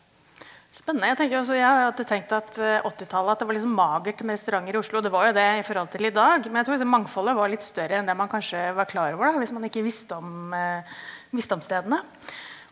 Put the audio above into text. spennende, jeg tenker også jeg har jo alltid tenkt at åttitallet at det var litt sånn magert med restauranter i Oslo, det var jo det i forhold til i dag, men jeg tror liksom mangfoldet var litt større enn det man kanskje var klar over da, hvis man ikke visste om visste om stedene.